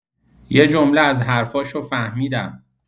یه جمله از حرفاشو فهمیدم